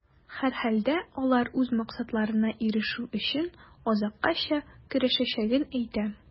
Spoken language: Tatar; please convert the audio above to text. Һәрхәлдә, алар үз максатларына ирешү өчен, азаккача көрәшәчәген әйтә.